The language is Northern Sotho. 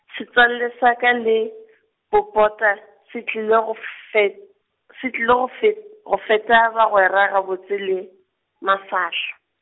setswalle sa ka le, Popota se tlile go fe-, se tlile go fe-, go feta bagwera gabotse le, mafahla.